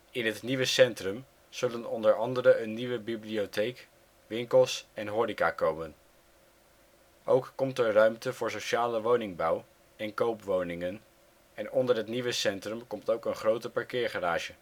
In het nieuwe centrum zullen onder andere een nieuwe bibliotheek, winkels en horeca komen. Ook komt er ruimte voor sociale woningbouw en koopwoningen en onder het nieuwe centrum komt een grote parkeergarage